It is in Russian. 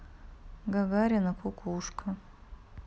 гагарина кукушка